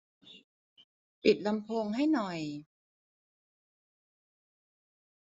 ปิดลำโพงให้หน่อย